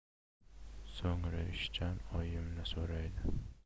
so'ngra ishchan oyimni so'raydi